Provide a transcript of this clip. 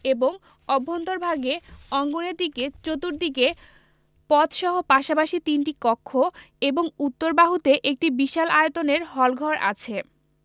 এবং অভ্যন্তরভাগে অঙ্গনের দিকে চতুর্দিকে পথসহ পাশাপাশি তিনটি কক্ষ এবং উত্তর বাহুতে একটি বিশাল আয়তনের হলঘর আছে